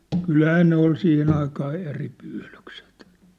kyllähän ne oli siihen aikaa eri pyydykset